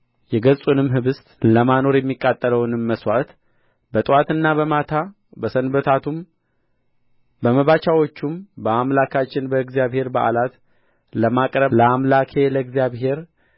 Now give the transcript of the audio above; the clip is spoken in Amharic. የገጹንም ኅብስት ለማኖር የሚቃጠለውንም መሥዋዕት በጥዋትና በማታ በሰንበታቱም በመባቻዎቹም በአምላካችንም በእግዚአብሔር በዓላት ለማቅረብ ለአምላኬ ለእግዚአብሔር